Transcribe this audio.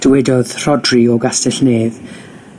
Dywedodd Rhodri o Gastell Nedd